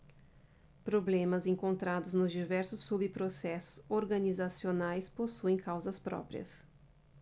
problemas encontrados nos diversos subprocessos organizacionais possuem causas próprias